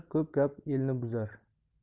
ko'p gap elni buzar